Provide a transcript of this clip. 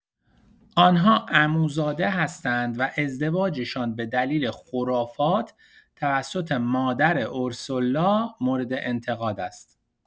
آن‌ها عموزاده هستند و ازدواجشان به دلیل خرافات توسط مادر اورسولا مورد انتقاد است.